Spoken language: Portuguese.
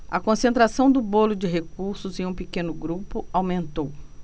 a concentração do bolo de recursos em um pequeno grupo aumentou